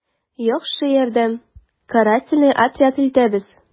«яхшы ярдәм, карательный отряд илтәбез...»